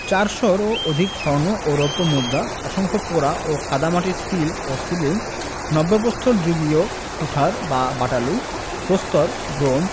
চারশরও অধিক স্বর্ণ ও রৌপ্য মুদ্রা অসংখ্য পোড়া ও কাদামাটির সিল ও সিলিং নব্যপ্রস্তরযুগীয় কুঠার ও বাটালি প্রস্তর ব্রোঞ্জ